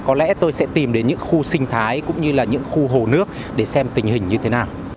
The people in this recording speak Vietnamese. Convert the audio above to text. có lẽ tôi sẽ tìm đến những khu sinh thái cũng như là những khu hồ nước để xem tình hình như thế nào